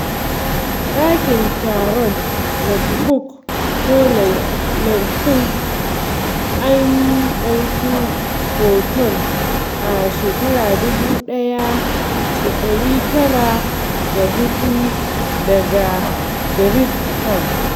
ɗakin taron Northbrook ko Lal Kuthi - an ɗaukin hoton a 1904 daga Fritz Kapp.